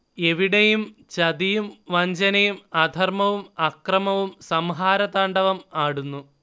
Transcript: എവിടെയും ചതിയും വഞ്ചനയും, അധർമ്മവും അക്രമവും സംഹാരതാണ്ഡവം ആടുന്നു